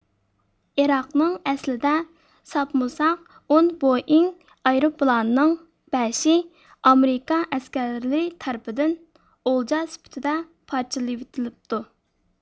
ئىراقنىڭ ئەسلىدە ساپمۇساق ئون بوئېڭ ئايروپىلانىنىڭ بەشى ئامېرىكا ئەسكەرلىرى تەرىپىدىن ئولجا سۈپىتىدە پارچىلىۋېتىلىپتۇ